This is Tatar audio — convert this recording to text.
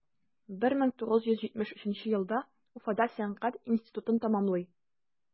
1973 елда уфада сәнгать институтын тәмамлый.